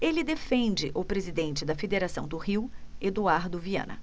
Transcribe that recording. ele defende o presidente da federação do rio eduardo viana